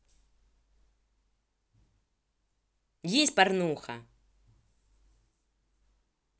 есть порнуха